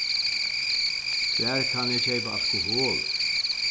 hvar kann eg keypa alkohol